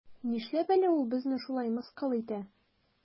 Нишләп әле ул безне шулай мыскыл итә?